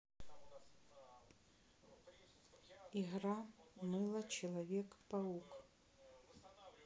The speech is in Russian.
игра мыло человек паук